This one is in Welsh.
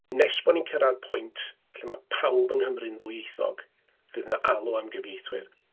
Nes bod ni'n cyrraedd pwynt lle ma' pawb yng Nghymru'n ddwyieithog, fydd 'na alw am gyfeithwyr.